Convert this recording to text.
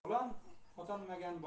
otasi qulon otolmaganning